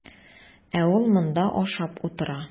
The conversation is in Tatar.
Ә ул монда ашап утыра.